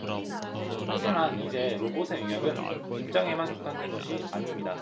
하지만 이제 로봇의 영역은 공장에만 국한된 것이 아닙니다